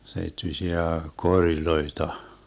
seittyisiä koreja